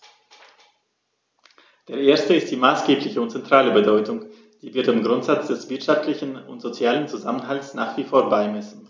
Der erste ist die maßgebliche und zentrale Bedeutung, die wir dem Grundsatz des wirtschaftlichen und sozialen Zusammenhalts nach wie vor beimessen.